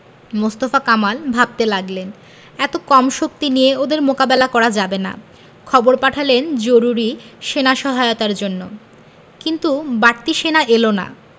মোস্তফা কামাল ভাবতে লাগলেন এত কম শক্তি নিয়ে ওদের মোকাবিলা করা যাবে না খবর পাঠালেন জরুরি সেনা সহায়তার জন্য কিন্তু বাড়তি সেনা এলো না